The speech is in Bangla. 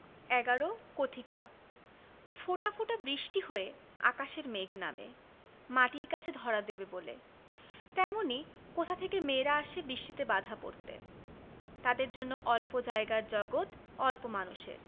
১১ কথিকা ফোঁটা ফোঁটা বৃষ্টি হয়ে আকাশের মেঘ নামে মাটির কাছে ধরা দেবে বলে তেমনি কোথা থেকে মেয়েরা আসে বৃষ্টিতে বাঁধা পড়তে তাদের জন্য অল্প জায়গার জগত অল্প মানুষের